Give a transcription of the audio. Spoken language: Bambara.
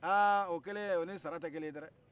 ah o kɛlen o ni sara tɛ kelen ye dɛrɛ